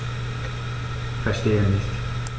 Verstehe nicht.